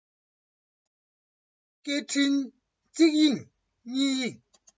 སྐད འཕྲིན གཅིག གཡེང གཉིས གཡེང